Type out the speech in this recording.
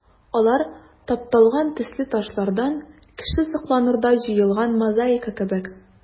Алар тапталган төсле ташлардан кеше сокланырдай җыелган мозаика кебек.